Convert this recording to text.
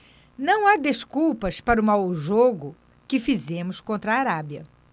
não há desculpas para o mau jogo que fizemos contra a arábia